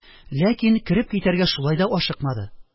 Ләкин кереп китәргә шулай да ашыкмады.